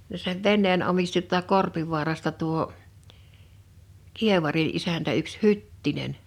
ja sen veneen omisti tuolta Korpivaarasta tuo kievarin isäntä yksi Hyttinen